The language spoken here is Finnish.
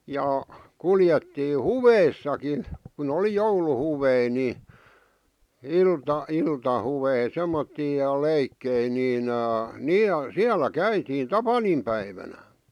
ja kuljettiin huveissakin kun oli jouluhuveja niin - iltahuveja semmoisia ja leikkejä niin niin ja siellä käytiin tapaninpäivänä